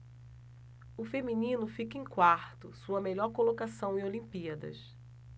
o feminino fica em quarto sua melhor colocação em olimpíadas